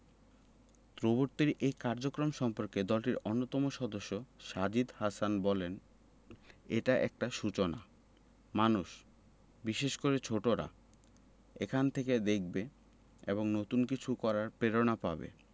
robot তৈরির এ কার্যক্রম সম্পর্কে দলটির অন্যতম সদস্য সাজিদ হাসান বললেন এটা একটা সূচনা মানুষ বিশেষ করে ছোটরা এখান থেকে দেখবে এবং নতুন কিছু করার প্রেরণা পাবে